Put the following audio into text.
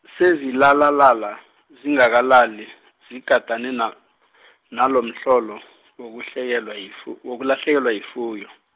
sezilalalala, zingakalali, zigadane, na- nalomhlolo, wokuhlekelwa yifu-, wokulahlekelwa yifuyo.